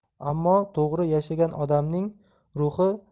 ammo to'g'ri yashagan odamning